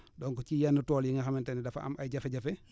donc ci yenn tool yi nga xamante ne dafa am ay jafe-jafe